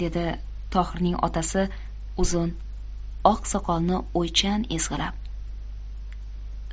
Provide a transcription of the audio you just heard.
dedi tohirning otasi uzun oq soqolini o'ychan ezg'ilab